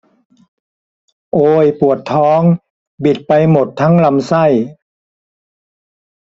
โอยปวดท้องบิดไปหมดทั้งลำไส้